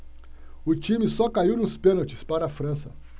o time só caiu nos pênaltis para a frança